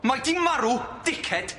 Mae 'di marw dickhead.